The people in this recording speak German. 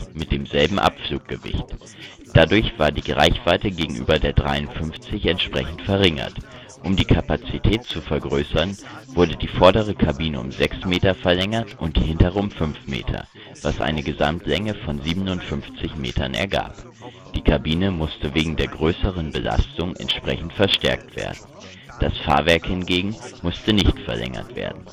mit demselben Abfluggewicht. Dadurch war die Reichweite gegenüber der -53 entsprechend verringert. Um die Kapazität zu vergrößern, wurde die vordere Kabine um 6 m verlängert und die hintere um 5 m, was eine Gesamtlänge von 57 m ergab. Die Kabine musste wegen der größeren Belastungen entsprechend verstärkt werden. Das Fahrwerk hingegen musste nicht verlängert werden